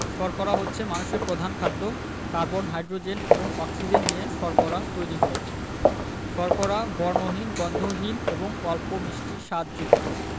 শর্করা হচ্ছে মানুষের প্রধান খাদ্য কার্বন হাইড্রোজেন এবং অক্সিজেন নিয়ে শর্করা তৈরি হয় শর্করা বর্ণহীন গন্ধহীন এবং অল্প মিষ্টি স্বাদযুক্ত